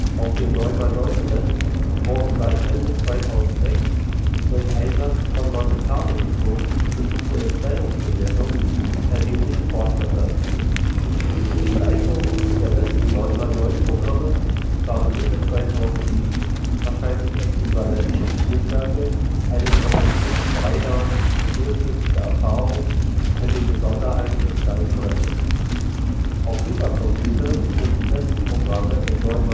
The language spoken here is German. Auf dem 9x9-Brett wurden seit Ende 2006 durch Einsatz von Monte-Carlo-Methoden für Suche und Stellungsbewertung erhebliche Fortschritte erzielt. Die Leistungen der besten 9x9-Programme waren Mitte 2007 wahrscheinlich äquivalent der Spielstärke eines europäischen 3-Dans mit durchschnittlicher Erfahrung mit den Besonderheiten des kleinen Brettes. Auf Supercomputern sind die besten Programme in 9x9-Go